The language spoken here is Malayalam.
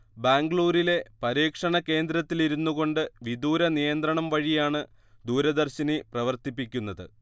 ബാംഗ്ലൂരിലെ പരീക്ഷണ കേന്ദ്രത്തിലിരുന്നുകൊണ്ട് വിദൂരനിയന്ത്രണം വഴിയാണ് ദൂരദർശിനി പ്രവർത്തിപ്പിക്കുന്നത്